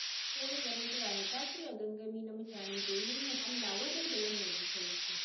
ƙungiyar Nazarin Birane ta shirya gangami na mutane domin a yi alla-wadai da wannan rushe-rushen.